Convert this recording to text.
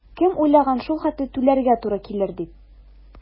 Кем уйлаган шул хәтле түләргә туры килер дип?